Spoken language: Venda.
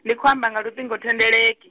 ndi khou amba nga luṱingo thendeleki.